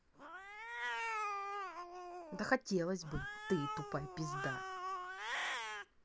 да хотелось бы ты тупая пизда